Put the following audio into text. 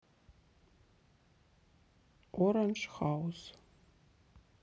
оранж хаус